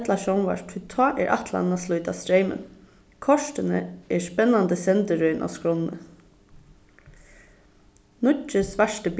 ella sjónvarp tí tá er ætlanin at slíta streymin kortini er spennandi sendirøðin á skránni nýggi svarti